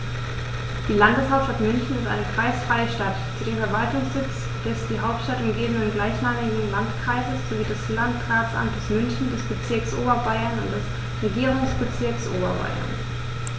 Die Landeshauptstadt München ist eine kreisfreie Stadt, zudem Verwaltungssitz des die Stadt umgebenden gleichnamigen Landkreises sowie des Landratsamtes München, des Bezirks Oberbayern und des Regierungsbezirks Oberbayern.